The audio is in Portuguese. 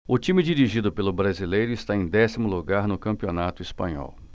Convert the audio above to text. o time dirigido pelo brasileiro está em décimo lugar no campeonato espanhol